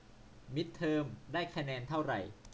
มิดเทอมได้คะแนนเท่าไหร่